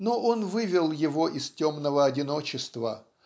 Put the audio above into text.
но он вывел его из темного одиночества